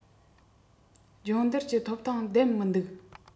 སྦྱོང བརྡར གྱི ཐོབ ཐང ལྡན མི འདུག